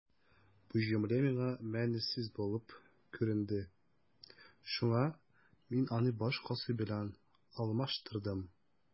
Бу җөмлә миңа мәгънәсез булып күренде, шуңа мин аны башкасы белән алмаштырдым.